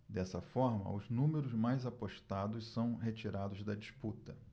dessa forma os números mais apostados são retirados da disputa